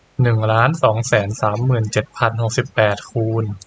หนึ่งล้านสองแสนสามหมื่นเจ็ดพันหกสิบแปดคูณ